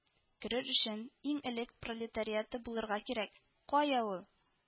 Керер өчен иң элек пролетариаты булырга кирәк, кая ул